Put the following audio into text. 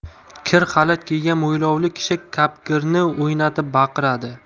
kir xalat kiygan mo'ylovli kishi kapgirni o'ynatib baqiradi